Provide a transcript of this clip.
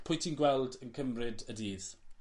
...pwy ti'n gweld yn cymryd y dydd?